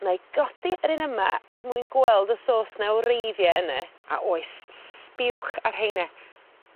'nai godi yr un yma er mwyn gweld os o's 'na wreiddie yne, a oes sbiwch ar rheine.